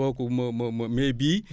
kooku moo moo moo mais bii